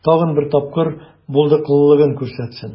Тагын бер тапкыр булдыклылыгын күрсәтсен.